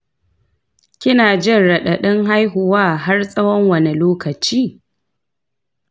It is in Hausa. kina jin radadin haihuwa har tsawon wani lokaci?